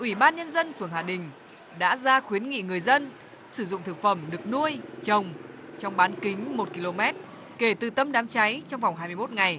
ủy ban nhân dân phường hạ đình đã ra khuyến nghị người dân sử dụng thực phẩm được nuôi trồng trong bán kính một ki lô mét kể từ tâm đám cháy trong vòng hai mươi mốt ngày